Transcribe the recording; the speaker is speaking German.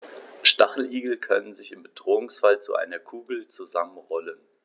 Stacheligel können sich im Bedrohungsfall zu einer Kugel zusammenrollen.